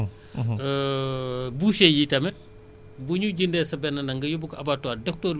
loolu nag biir assurance boobu moo tax ñu leen di ne lii tamit dafa bokk ci suñu liggéey